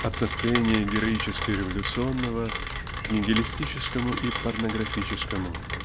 от настроения героически революционного к нигилистическому и порнографическому